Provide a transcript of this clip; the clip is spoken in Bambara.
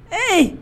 Ee